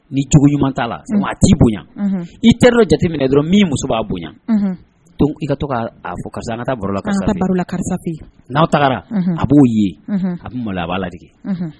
Ni cogo ɲuman t'a la maa ti bonya i teri jateminɛ dɔrɔn min muso b'a bonya i ka to fɔ ka n ka taa baro la taa barola karisa n'a taara a b'o ye a bɛ malo a b'a lade